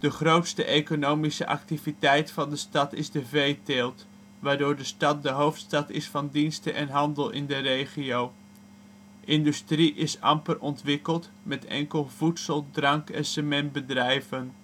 grootste economische activiteit van de stad is de veeteelt, waardoor de stad de hoofdstad is van diensten en handel in de regio. Industrie is amper ontwikkeld, met enkel voedsel -, drank - en cementbedrijven